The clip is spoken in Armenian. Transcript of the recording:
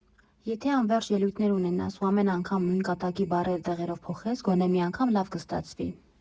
Եթե անվերջ ելույթներ ունենաս ու ամեն անգամ նույն կատակի բառերը տեղերով փոխես, գոնե մի անգամ լավ կստացվի։